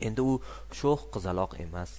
endi u sho'x qizaloq emas